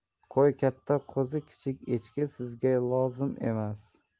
qo'y katta qo'zi kichik echki sizga lozim emas